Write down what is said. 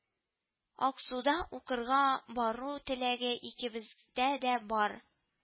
Аксуга укырга бару теләге икебездә дә бар